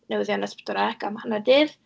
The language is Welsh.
Newyddion S4C am hanner dydd.